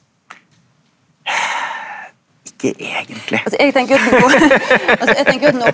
ikke egentlig .